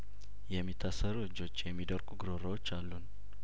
የሚታሰሩ እጆች የሚደርቁ ጉሮሮዎች አሉን